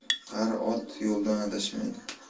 qari ot yo'ldan adashmaydi